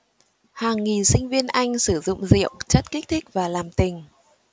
hàng nghìn sinh viên anh sử dụng rượu chất kích thích và làm tình